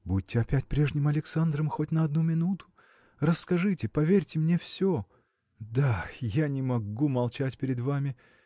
– Будьте опять прежним Александром, хоть на одну минуту. Расскажите, поверьте мне все. – Да, я не могу молчать перед вами